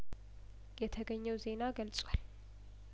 የተገኘው ዜና ገልጿል